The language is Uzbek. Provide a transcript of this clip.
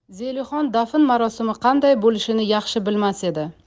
zelixon dafn marosimi qanday bo'lishini yaxshi bilmas edi